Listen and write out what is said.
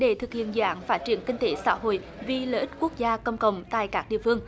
để thực hiện dự án phát triển kinh tế xã hội vì lợi ích quốc gia công cộng tại các địa phương